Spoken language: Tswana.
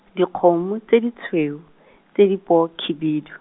dikgomo, tse ditshweu, tse di poo khibidu.